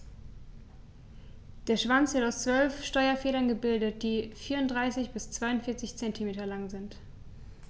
Der Schwanz wird aus 12 Steuerfedern gebildet, die 34 bis 42 cm lang sind.